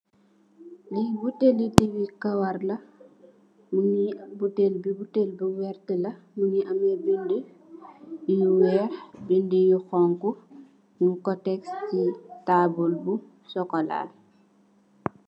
Li butèèl li diw wi kawarr la, butèèl bu butèèl bu werta la, mugii ameh bindé yu wèèx, bindé yu xonxu ñing ko tek ci tabull bu sokola.